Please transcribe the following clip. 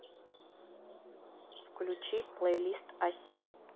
включи плейлист аси